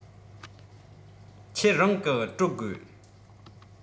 ཁྱེད རང གི སྤྲོད དགོས